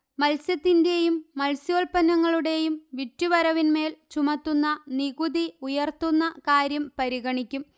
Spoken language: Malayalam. മത്സ്യത്തിന്റെയും മത്സ്യോല്പ്പന്നങ്ങളുടെയും വിറ്റുവരവിന്മേൽ ചുമത്തുന്ന നികുതി ഉയർത്തുന്ന കാര്യം പരിഗണിക്കും